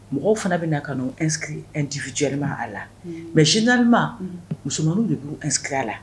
Mɔgɔw fana bɛ na kan'u inscris individuellement a la unnn mais généralement unh musomaninw de b'u inscris a la